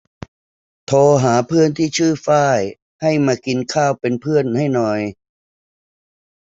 โทรหาเพื่อนที่ชื่อฝ้ายให้มากินข้าวเป็นเพื่อนให้หน่อย